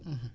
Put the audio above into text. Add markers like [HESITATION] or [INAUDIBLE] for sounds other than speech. [HESITATION] [HESITATION]